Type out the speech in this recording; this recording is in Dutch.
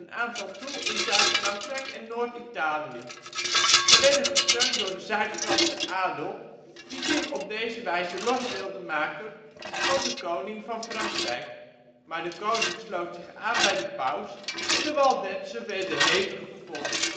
aantal toe in Zuid-Frankrijk en Noord-Italië. Ze werden gesteund door de Zuid-Franse adel, die zich op deze wijze los wilde maken van de koning van Frankrijk. Maar de koning sloot zich aan bij de paus en de Waldenzen werden hevig vervolgd